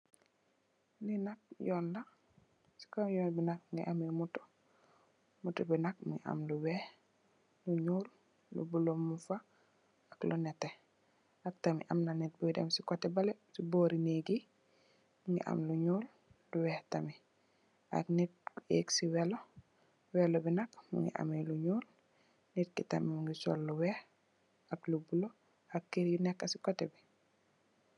Lee nak yoon la se kaw yoon be nak muge ameh motor motorbe nak muge ameh lu weex lu nuul lu bulo mugfa ak lu neteh ak tamin am na neet boye dem se koteh bale se bore neek ye muge am lu nuul lu weex tamin ak neet bu ek se welou welou be nak muge ameh lu nuul neet ke tam muge sol lu weex ak lu bulo ak kerr yu neka se koteh be.